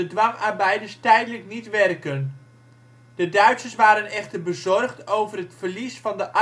dwangarbeiders tijdelijk niet werken. De Duitsers waren echter bezorgd over het verlies van de arbeidscapaciteit